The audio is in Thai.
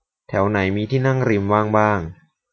แถวไหนมีที่นั่งริมว่างบ้าง